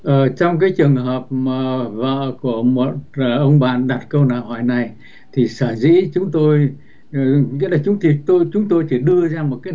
ở trong cái trường hợp mà vợ của một ông bạn đặt câu hỏi này thì sở dĩ chúng tôi nghĩa là chúng tôi chúng tôi chỉ đưa ra một